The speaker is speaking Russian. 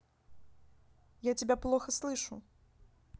я тебя плохо слышу